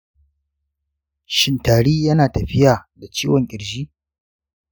shin tari yana tafiya da ciwon ƙirji?